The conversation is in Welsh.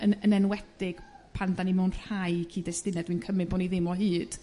Yn yn enwedig pan 'dan ni mewn rhai cyd-destune dwi'n cym'y' bo' ni ddim o hyd.